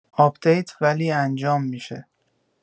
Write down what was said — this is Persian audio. آپدیت ولی انجام می‌شه